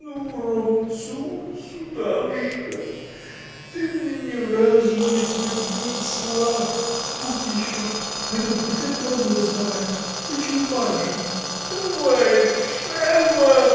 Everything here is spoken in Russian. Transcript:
— Ну, ромцу, сударушка: ты мне ни разу не поднесла. — Вот еще! пойду в буфет рому доставать! Ключи у барышни. — Давай, шельма!